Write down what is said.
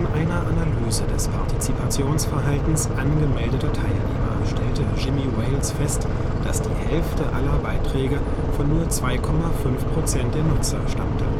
einer Analyse des Partizipationsverhaltens angemeldeter Teilnehmer stellte Jimmy Wales fest, dass die Hälfte aller Beiträge von nur 2,5 Prozent der Nutzer stammte